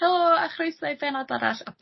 helo a chroeslo i bennod arall o...